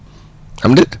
am déet